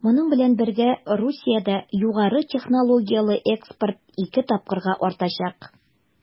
Моның белән бергә Русиядә югары технологияле экспорт 2 тапкырга артачак.